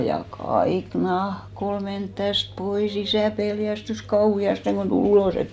ja kaikki nahka oli mennyt tästä pois isä pelästyi kauheasti kun tuli ulos et